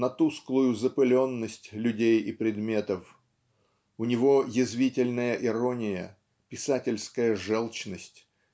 на тусклую запыленность людей и предметов. У него язвительная ирония писательская желчность